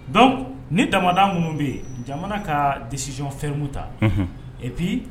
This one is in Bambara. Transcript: Dɔnku ni da minnu bɛ yen jamana ka desiyɔn fɛnkun ta epi